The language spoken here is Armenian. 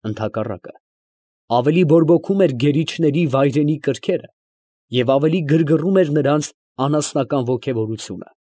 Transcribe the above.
Ընդհակառակն, ավելի բորբոքում էր գերիչների վայրենի կրքերը և ավելի գրգռում էր նրանց անասնական ոգևորությունը։